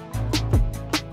San